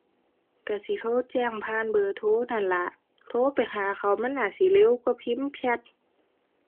ก็สิโทรแจ้งผ่านเบอร์โทรนั่นล่ะ โทรไปหาเขามันน่าสิเร็วกว่าพิมพ์แชต